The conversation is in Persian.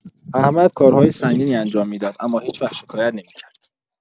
احمد کارهای سنگینی انجام می‌داد، اما هیچ‌وقت شکایت نمی‌کرد.